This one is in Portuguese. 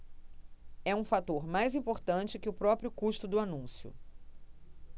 é um fator mais importante que o próprio custo do anúncio